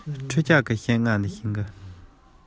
ལྕག ཐབས འོག ནས མར ཐོན